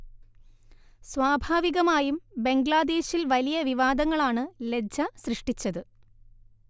സ്വാഭാവികമായും ബംഗ്ലാദേശിൽ വലിയ വിവാദങ്ങളാണ് ലജ്ജ സൃഷ്ടിച്ചത്